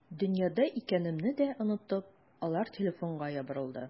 Дөньяда икәнемне дә онытып, алар телефонга ябырылды.